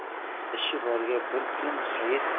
ishi borga bir kun hayit